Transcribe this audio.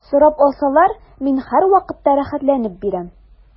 Сорап алсалар, мин һәрвакытта рәхәтләнеп бирәм.